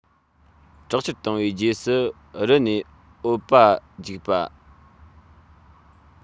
དྲག ཆར བཏང བའི རྗེས སུ རི ནས འོད པ རྒྱུག པ